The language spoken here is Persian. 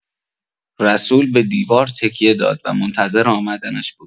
رسول به دیوار تکیه داده و منتظر آمدنش بود.